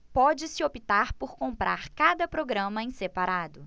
pode-se optar por comprar cada programa em separado